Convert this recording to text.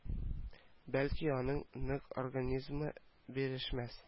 Бәлки аның нык организмы бирешмәс